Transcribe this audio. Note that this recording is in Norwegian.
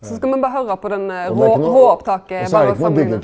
så skal me berre høyra på den råopptaket berre å samanlikne.